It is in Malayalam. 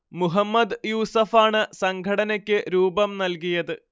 മുഹമ്മദ് യൂസഫാണ് സംഘടനയ്ക്ക് രൂപം നൽകിയത്